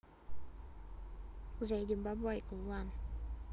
зайди в бабайку ван